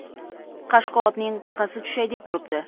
qashqa otning taqasi tushay deb turibdi